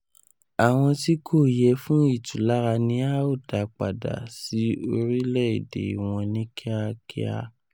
Awọn ti ko yẹ fun itulara ni a o da pada si ori ede wọn ni kiakia.